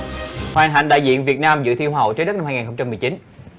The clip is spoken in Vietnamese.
hoàng hạnh đại diện việt nam dự thi hoa hậu trái đất năm hai không trăm mười chín